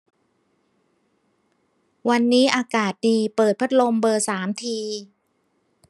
วันนี้อากาศดีเปิดพัดลมเบอร์สามที